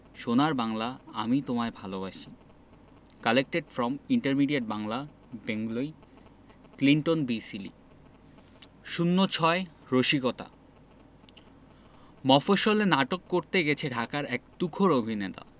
সোনার বাংলা আমি তোমায় ভালবাসি collected from intermediate Bangla Bengali ক্লিন্টন বি সিলি ০৬ রসিকতা মফশ্বলে নাটক করতে গেছে ঢাকার এক তুখোর অভিনেতা